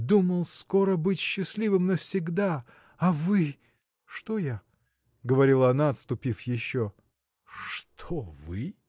думал скоро быть счастливым навсегда, а вы. – Что я? – говорила она, отступив еще. – Что вы?